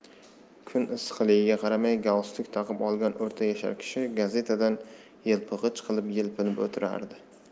kun issiqligiga qaramay galstuk taqib olgan o'rta yashar kishi gazetadan yelpig'ich qilib yelpinib o'tirardi